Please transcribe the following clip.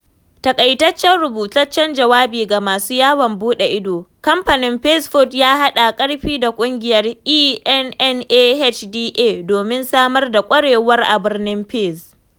(Taƙaitaccen rubutaccen jawabi ga masu yawon buɗe ido: Kamfanin Fez Food ya haɗa ƙarfi da Ƙungiyar ENNAHDA domin samar da ƙwarewar a birnin Fez).